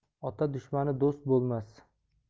ota dushmani do'st bolmas